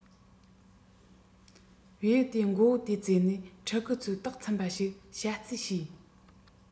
བེའུ དེའི མགོ བོ དེ བཙོས ནས ཕྲུ གུ ཚོའི ལྟོགས ཚིམས པ ཞིག བྱ རྩིས བྱས